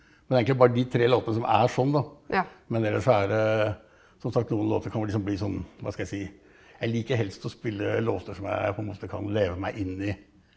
men det er egentlig bare de tre låtene som er sånn da men ellers så er det som sagt noen låter kan man liksom bli sånn, hva skal jeg si, jeg liker helst å spille låter som jeg på en måte kan leve meg inn i.